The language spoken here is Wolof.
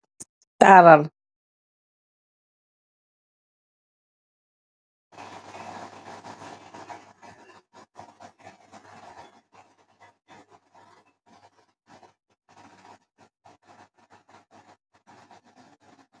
Taaral